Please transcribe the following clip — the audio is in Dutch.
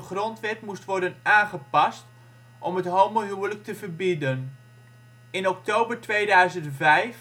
grondwet moest worden aangepast om het homohuwelijk te verbieden. In oktober 2005